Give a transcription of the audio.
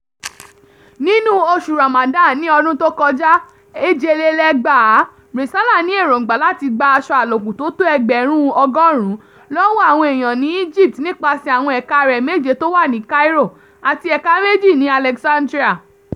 Nínú oṣù Ramadan ní ọdún tó kọjá (2007), Resala ní èròńgbà láti gba aṣọ àlòkù tó tó ẹgbẹ̀rún 100 lọ́wọ́ àwọn eèyàn ní Egypt nípasẹ̀ àwọn ẹ̀ka rẹ̀ 7 tó wà ní Cairo àti ẹ̀ka 2 ní Alexandria.